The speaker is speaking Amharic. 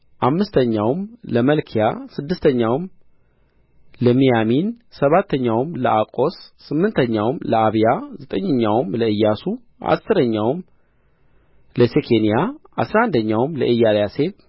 አምስተኛው ለመልክያ ስድስተኛው ለሚያሚን ሰባተኛው ለአቆስ ስምንተኛው ለአብያ ዘጠኝኛው ለኢያሱ አሥረኛው ለሴኬንያ አሥራ አንደኛው ለኤልያሴብ